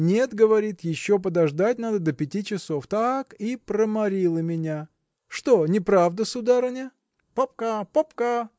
– Нет, говорит, еще подождать надо, до пяти часов. Так и проморила меня. Что, неправда, сударыня? Попка, попка!